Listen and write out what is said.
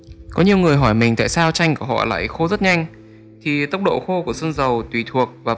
có nhiều người hỏi mình tại sao tranh của họ lại khô rất nhanh thì tốc độ khô của sơn dầu phụ thuộc vào rất nhiều yếu tố